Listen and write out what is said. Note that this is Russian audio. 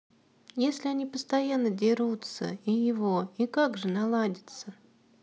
если они постоянно дерутся и его и как же наладиться